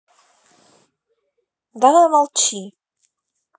давай молчи